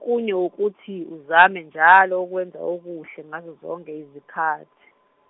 kunye wukuthi uzame njalo okwenza okuhle ngazo zonke izikhathi.